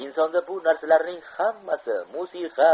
insonda bu narsalarning hammasi musiqa